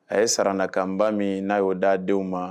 A ye sarana kanba min n'a y'o d da denw ma